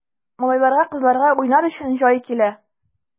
Малайларга, кызларга уйнар өчен җай килә!